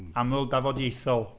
Aml dafodiaethol.